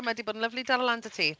Mae 'di bod yn lyfli dala lan 'da ti.